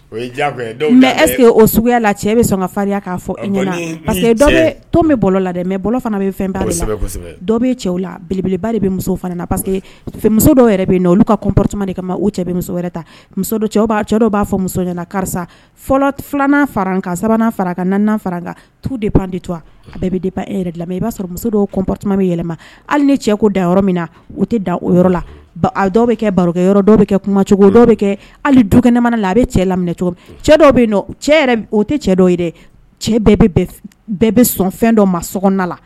Mɛ esse o suguya la cɛ bɛ sɔn karinya fɔ e bɛ la mɛ bɛ fɛn dɔw laba de bɛ muso muso dɔw kama de kama cɛ wɛrɛ dɔw b'a fɔ muso karisa fɔlɔ filanan fara sabanan fara ka tu de bandi to a la i b'a sɔrɔ muso dɔwpma bɛ yɛlɛma hali ni cɛ ko da yɔrɔ min na u tɛ da o yɔrɔ la a dɔw bɛ kɛ barokɛ yɔrɔ dɔw bɛ kɛ kumacogo dɔw bɛ kɛ hali dukɛnɛmana la a bɛ cɛ lam cogo dɔw bɛ o dɛ bɛ sɔn dɔ ma la